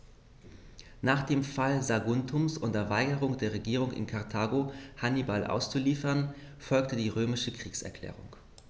Nach dem Fall Saguntums und der Weigerung der Regierung in Karthago, Hannibal auszuliefern, folgte die römische Kriegserklärung.